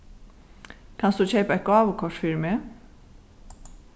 kanst tú keypa eitt gávukort fyri meg